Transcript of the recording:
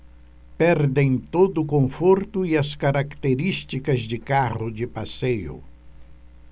perdem todo o conforto e as características de carro de passeio